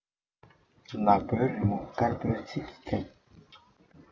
ནག པོའི རི མོ དཀར པོའི ཚིག གིས ཁེངས